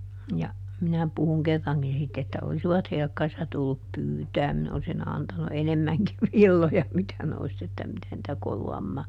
ja minä puhuin kerrankin sitten että olisivat helkkarissa tullut pyytämään minä olisin antanut enemmänkin villoja mitä ne olisi että mitä niitä koluamaan